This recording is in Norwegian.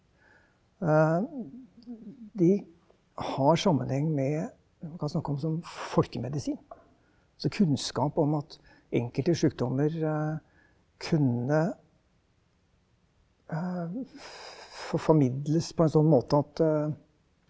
de har sammenheng med man kan snakke om sånn folkemedisin, altså kunnskap om at enkelte sjukdommer kunne formidles på en sånn måte at ,